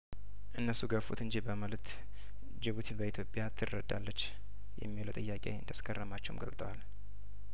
እነሱ ገፉት እንጂ በማለት ጅቡቲ በኢትዮጵያ ትረዳለች የሚለው ጥያቄ እንዳስ ገረማቸውም ገልጠዋል